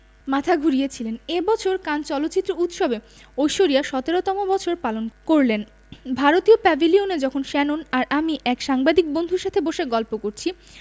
মাথা ঘুরিয়েছিলেন এ বছর কান চলচ্চিত্র উৎসবে ঐশ্বরিয়া ১৭তম বছর পালন করলেন ভারতীয় প্যাভিলিয়নে যখন শ্যানন আর আমি এক সাংবাদিক বন্ধুর সাথে বসে গল্প করছি